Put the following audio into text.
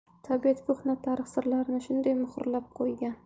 tabiat ko'hna tarix sirlarini shunday muhrlab qo'ygan